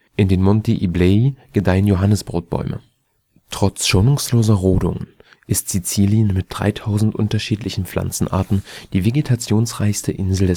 In den Monti Iblei gedeihen Johannisbrotbäume. Trotz schonungsloser Rodungen ist Sizilien mit 3000 unterschiedlichen Pflanzenarten die vegetationsreichste Insel